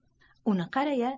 uni qara ya